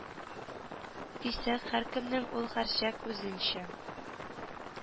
Дисәк һәркемнең ул һәрчак үзенчә